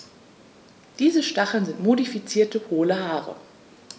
Diese Stacheln sind modifizierte, hohle Haare.